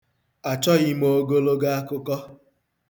Achọghị m ogologo akụkọ.